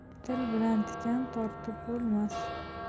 til bilan tikan tortib bo'lmas